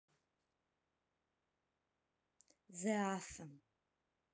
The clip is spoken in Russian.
the anthem